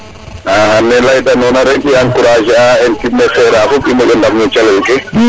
axa ne ley ta nona rek i encourager equipe ne FERA fop i moƴo ndam no calel ke